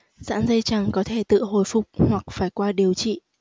giãn dây chằng có thể tự hồi phục hoặc phải qua điều trị